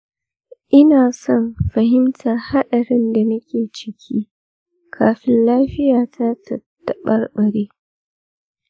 ina son fahimtar haɗarin da nake ciki kafin lafiyata ta taɓarɓare.